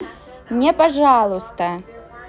не пожалуйста